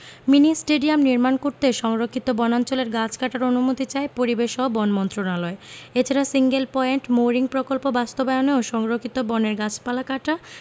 mini stadium নির্মাণ করতে সংরক্ষিত বনাঞ্চলের গাছ কাটার অনুমতি চায় পরিবেশ ও বন মন্ত্রণালয় এছাড়া সিঙ্গেল পয়েন্ট মোরিং প্রকল্প বাস্তবায়নেও সংরক্ষিত বনের গাছপালা কাটা